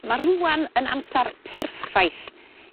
Ma' rŵan yn amsar perffaith